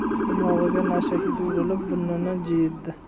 dimog'iga nasha hidi urilib burnini jiyirdi